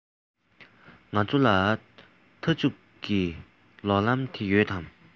ང ཚོ ལ མཐའ མཇུག གི ལོག ལམ དེ ཡོད དམ